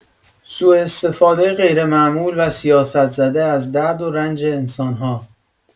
سوءاستفاده غیرمعمول و سیاست زده از درد و رنج انسان‌ها